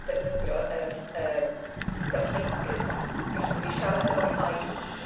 defnyddio yr yym system hybrid felly dwi siarad efo rhai